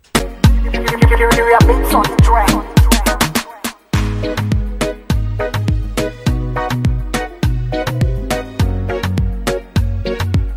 Maa yo